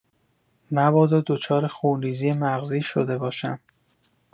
مبادا دچار خونرویزی مغزی شده باشم.